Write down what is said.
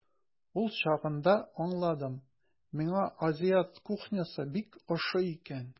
Ул чагында аңладым, миңа азиат кухнясы бик ошый икән.